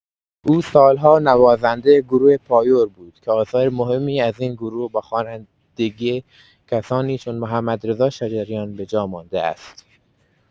او سال‌ها نوازنده گروه پایور بود که آثار مهمی از این گروه با خوانندگی کسانی چون محمدرضا شجریان به جا مانده است.